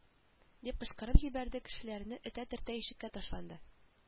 Дип кычкырып җибәрде кешеләрне этә-төртә ишеккә ташланды